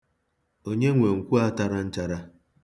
Onye nwe nkwo a tara nchara?